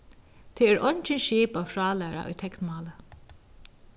tað er eingin skipað frálæra í teknmáli